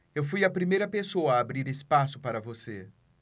eu fui a primeira pessoa a abrir espaço para você